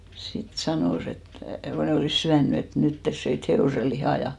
sitten sanoi että kun ne olivat syönyt että nyt te söitte hevosen lihaa ja